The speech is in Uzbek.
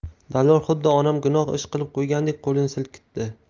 dallol xuddi onam gunoh ish qilib qo'yganday qo'lini silkitdi